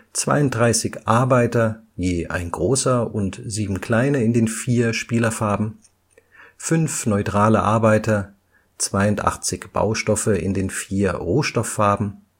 32 Arbeiter, je 1 großer und 7 kleine in den 4 Spielerfarben 5 neutrale Arbeiter 82 Baustoffe in den 4 Rohstoffarben